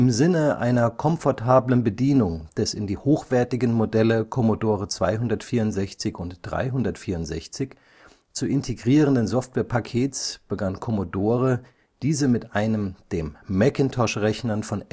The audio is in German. Sinne einer komfortablen Bedienung des in die hochwertigen Modelle Commodore 264 und 364 zu integrierenden Softwarepakets begann Commodore diese mit einem den Macintosh-Rechnern von